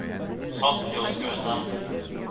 sornhúsgøta